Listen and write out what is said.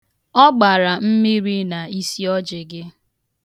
Ọ gbara mmiri n' isiọjị gị.